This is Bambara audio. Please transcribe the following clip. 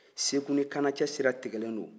segu ni kana cɛ sira tigɛlen don